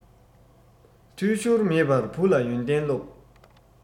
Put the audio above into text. འཐུས ཤོར མེད པར བུ ལ ཡོན ཏན སློབས